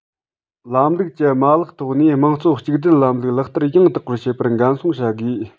ལམ ལུགས ཀྱི མ ལག ཐོག ནས དམངས གཙོ གཅིག སྡུད ལམ ལུགས ལག བསྟར ཡང དག པར བྱེད པར འགན སྲུང བྱ དགོས